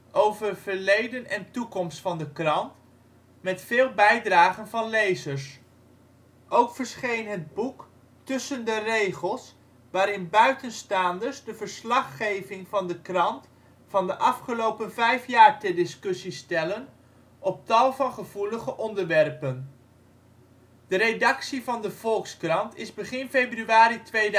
over verleden en toekomst van de krant, met veel bijdragen van lezers. Ook verscheen het boek Tussen de regels, waarin buitenstaanders de verslaggeving van de krant van de afgelopen 5 jaar ter discussie stellen op tal van gevoelige onderwerpen. De redactie van de Volkskrant is begin februari 2007